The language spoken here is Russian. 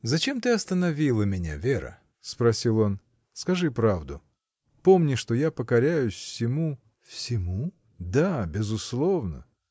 — Зачем ты остановила меня, Вера? — спросил он. — Скажи правду. Помни, что я покоряюсь всему. — Всему? — Да, безусловно.